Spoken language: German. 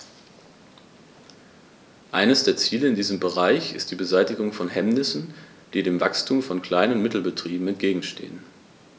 Eines der Ziele in diesem Bereich ist die Beseitigung von Hemmnissen, die dem Wachstum von Klein- und Mittelbetrieben entgegenstehen.